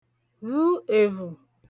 vhu èvhù